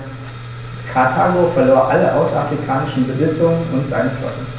Karthago verlor alle außerafrikanischen Besitzungen und seine Flotte.